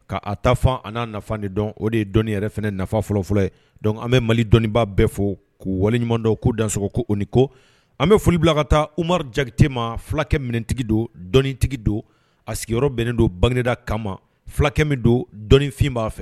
Ka a tafan ani'a nafa de dɔn o de ye dɔnnii yɛrɛ fana nafa fɔlɔfɔlɔ ye dɔnkuc an bɛ mali dɔnniibaa bɛɛ fo k'u waleɲuman dɔw ko dansoɔgɔ ko o ko an bɛ foli bila ka taa umaru jakitema fulakɛ mintigi don dɔnnitigi don a sigiyɔrɔ bɛnnen don bangegda kama fulakɛ min don dɔnifin b'a fɛ